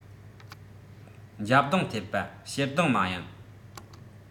འཇབ རྡུང ཐེབས པ ཞེ སྡང མ ཡིན